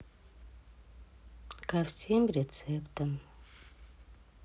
ко всем рецептам